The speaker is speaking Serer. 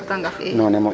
a kanga ii.